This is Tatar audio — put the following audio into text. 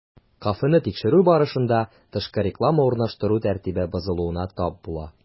Кафены тикшерү барышында, тышкы реклама урнаштыру тәртибе бозылуына тап була.